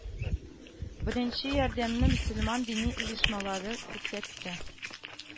Беренче ярдәмне мөселман дини оешмалары күрсәтте